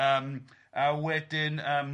Yym a wedyn yym